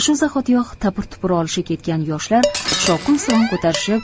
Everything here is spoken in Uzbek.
shu zahotiyoq tapir tupur olisha ketgan yoshlar shovqin suron ko'tarishib